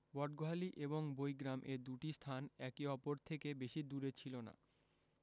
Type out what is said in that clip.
বটগোহালী এবং বৈগ্রাম এ দুটি স্থান একে অপর থেকে বেশিদূরে ছিল না